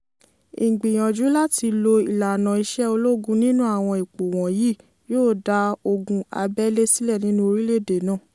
Ìgbìyànjú láti lo ìlànà ìṣe ológun nínú àwọn ipò wọ̀nyìí, yóò dá ogun abẹ́lé sílẹ̀ nínú orílẹ̀-èdè náà.